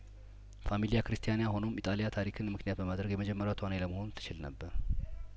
ፋሚሊ ያክርስቲያና ሆኖም ኢጣሊያ ታሪክን ምክንያት በማድረግ የመጀመሪያዋ ተዋናይ ለመሆን ትችል ነበር